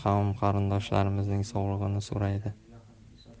qavm qarindoshlarimizning sog'lig'ini so'raydi